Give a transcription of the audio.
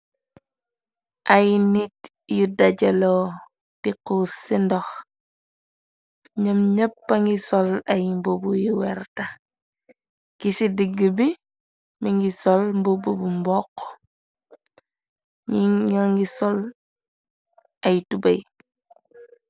Ay nit yu dajalo tiqu ci ndox ñëom ñeppa ngi sol ay mbobu yu werta gi ci digg bi mi ngi sol mbobu bu mbokx ñia ngi sol ay tubey.